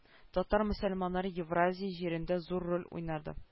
Татар мөселманнары евразия җирендә зур роль уйнады